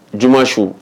Juma su